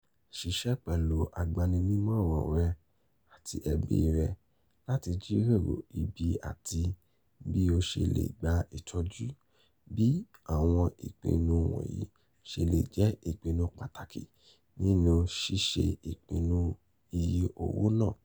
Ṣíṣe pẹ̀lú agbanínimọran rẹ̀ àti ẹbí rẹ̀ láti jíròrò ibi àti bí ó ṣe le gba ìtọ́jú, bí àwọn ìpinnu wọ̀nyí ṣe lè jẹ́ ìpinnu pàtàkì Nínú ṣíṣe ìpinnu iye owó náà.